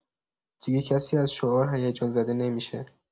دیگه کسی از شعار هیجان‌زده نمی‌شه.